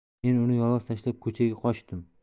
men uni yolg'iz tashlab ko'chaga qochdim